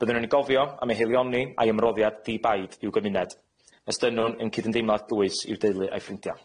Byddwn yn ei gofio am ei haelioni a'i ymroddiad di-baid i'w gymuned. Estynnwn ein cydymdeimlad dwys i'w deulu a'i ffrindia.